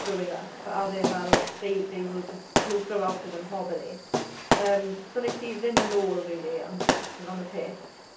growing up a o'dd e fel they they will just, you'll grow out of them proba'ly. Yym so nes i ddim myn' nôl rili am f- am y peth.